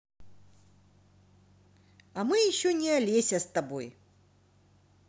а мы еще не олеся с тобой